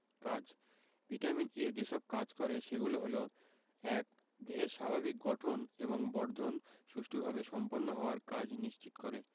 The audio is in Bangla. কাজ ভিটামিন A যেসব কাজ করে সেগুলো হলো ১. দেহের স্বাভাবিক গঠন এবং বর্ধন সুষ্ঠুভাবে সম্পন্ন হওয়ার কাজ নিশ্চিত করে